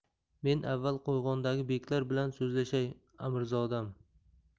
men avval qo'rg'ondagi beklar bilan so'zlashay amirzodam